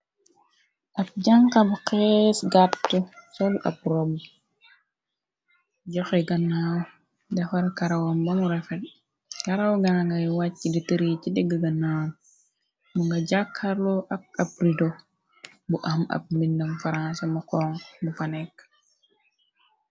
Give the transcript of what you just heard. Ab janxa bu xees gate sol ab roubu joxe gannaaw defar karawam bon rafet karaw gan ngay wàcc di tëri ci dëgg gannaaw mu nga jàkkarlo ak ab rido bu am ab mbindam faranca mu xonxo mufa neke.